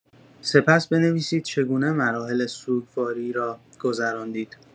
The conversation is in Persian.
سپس بنویسید چگونه مراحل سوگواری را گذراندید.